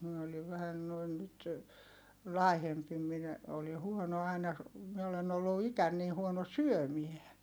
minä olin vähän noin nyt laihempi minä olin huono aina minä olen ollut ikäni niin huono syömään